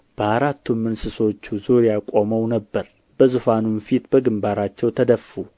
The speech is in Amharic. በአራቱም እንስሶቹ ዙሪያ ቆመው ነበር በዙፋኑም ፊት በግምባራቸው ተደፉ